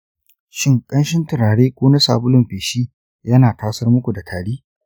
shin ƙanshin turare ko na sabulun feshi yana tasar muku da tari?